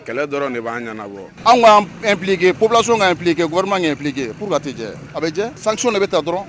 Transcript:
Kɛlɛ dɔrɔn de b'an ɲɛnaana bɔ anwkɛ psi ka pkɛ warima pke p katɛ a bɛ jɛ sansiw de bɛ taa dɔrɔn